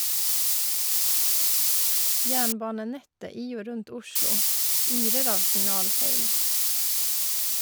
Jernbanenettet i og rundt Oslo yrer av signalfeil.